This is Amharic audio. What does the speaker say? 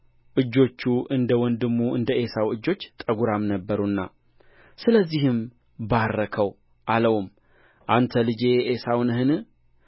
እጆቹ እንደ ወንድሙ እንደ ዔሳው እጆች ጠጕራም ነበሩና ስለዚህም ባረከው አለውም አንተ ልጄ ዔሳው ነህን